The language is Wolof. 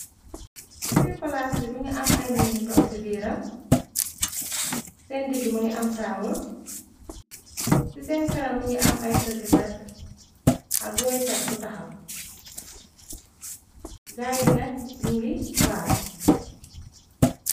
Ci biir palaas bi mi ngi am ay nit ñu tog ci biiram. Seen digg ma ngi am taabal , ci seen kanam mungi am ay tëggkat ak wooykat bu taxaw, gaayi nak ñi ngi baal.